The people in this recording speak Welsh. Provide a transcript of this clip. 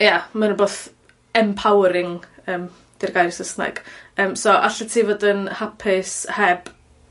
Ia ma'n rwbath empowering yym 'di'r gair Sysneg. Yym so allet ti fod yn hapus heb...